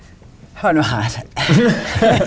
hør nå her .